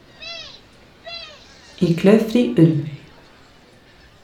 I kløfri ull.